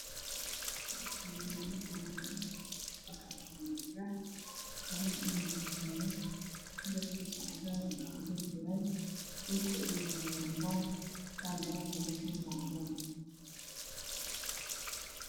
Meshani waa dhul banan ah waxyalo alwax karen aya dulsaran kalarkis cades yahay dhulka oow yalo waa cadan bagaronka dabe waa cadan